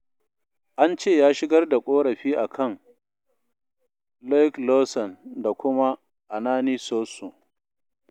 An ce ya shigar da ƙorafi a kan #LoicLawson da kuma #AnaniSossou.